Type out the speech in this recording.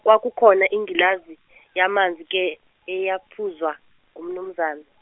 kwakukhona ingilazi yamanzi ke eyaphuzwa, ngumnumzane.